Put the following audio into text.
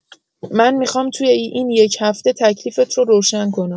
من می‌خوام توی این یک هفته تکلیفت رو روشن کنم.